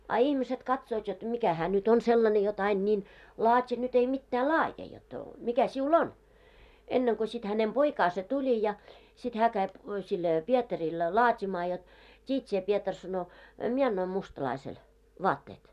a ihmiset katsovat jotta mikä hän nyt on sellainen jotta aina niin laati nyt ei mitään laadi jotta mikä sinulla on ennen kuin sitten hänen poikansa tuli ja sitten hän kävi sille Pietarille laatimaan jotta tiedät sinä Pietari sanoi minä annoin mustalaiselle vaatteet